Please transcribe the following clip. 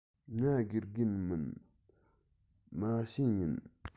ང དགེ རྒན མིན མ བྱན ཡིན